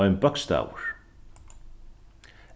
ein bókstavur